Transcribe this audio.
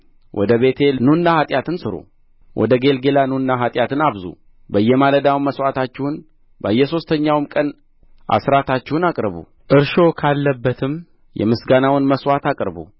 ወደ ቤቴል ኑና ኃጢአትን ሥሩ ወደ ጌልገላ ኑና ኃጢአትን አብዙ በየማለዳውም መሥዋዕታችሁን በየሦስተኛውም ቀን አሥራታችሁን አቅርቡ እርሾ ካለበትም የምስጋናውን መሥዋዕት አቅርቡ